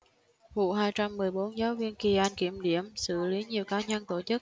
vụ hai trăm mười bốn giáo viên kỳ anh kiểm điểm xử lý nhiều cá nhân tổ chức